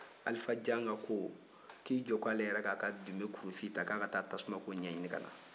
alifa janga ko a k'i jɔ ko ale yɛrɛ k'a ka jume kurufin ta k'a ka taa tasumako ɲɛɲinin ka na